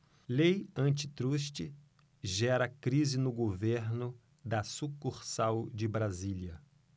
lei antitruste gera crise no governo da sucursal de brasília